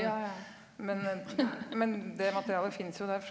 ja ja .